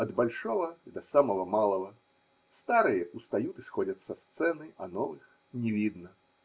от большого до самого малого, старые устают и сходят со сцены, а новых не видно.